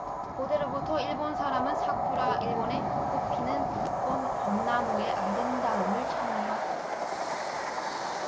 고대로부터 일본 사람들은 사쿠라 일본의 꽃피는 벚나무 의 아름다움을 찬미해 왔습니다